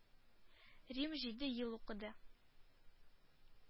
Рим җиде ел укыды.